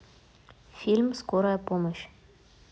фильм скорая помощь